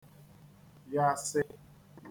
yasị